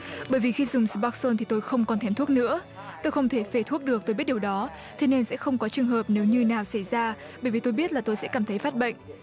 bởi vì khi dùng sờ pót sôn thì tôi không còn thèm thuốc nữa tôi không thể phê thuốc được tôi biết điều đó thế nên sẽ không có trường hợp nếu như nào xảy ra bởi vì tôi biết là tôi sẽ cảm thấy phát bệnh